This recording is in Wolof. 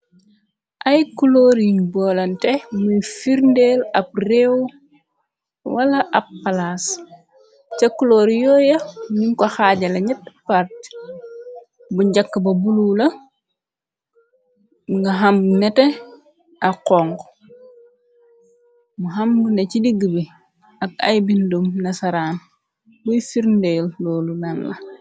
Ay kuloor yuñ boolante muy fir ndeel ab réew, wala ab palaas. Ca kuloor yooya nuñ ko xaaja la ñetti, part. Bu njàkk ba, bulu la, nga am nétté ak xoñxu, mu am lu nekk si diggë bi, ak ay bindum nasaraan, luy firndeel loolu nanla.